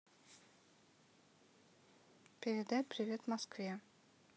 передай привет москве